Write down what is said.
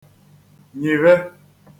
nyìve